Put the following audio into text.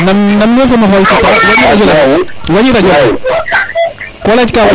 nam ne e fo mam o xoytita wañi radio le wañi radio le ko yaac ka wajo radio le rek